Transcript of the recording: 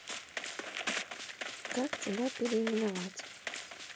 как тебя переименовать